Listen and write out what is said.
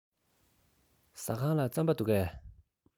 ཟ ཁང ལ རྩམ པ འདུག གས